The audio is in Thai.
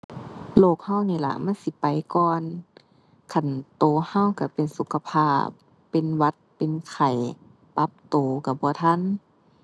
โลกเรานี่ล่ะมันสิไปก่อน คันเราเราเราเป็นสุขภาพ เป็นหวัด เป็นไข้ ปรับเราเราบ่ทัน